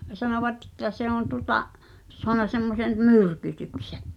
sanoivat että se on tuota saanut semmoisen myrkytyksen